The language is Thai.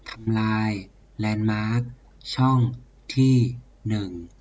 ทำลายแลนด์มาร์คช่องที่หนึ่ง